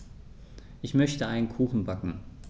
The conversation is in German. Ich möchte einen Kuchen backen.